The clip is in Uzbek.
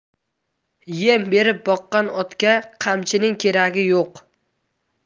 yem berib boqqan otga qamchining keragi yo'q